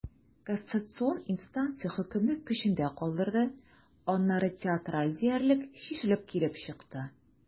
Кассацион инстанция хөкемне көчендә калдырды, аннары театраль диярлек чишелеш килеп чыкты.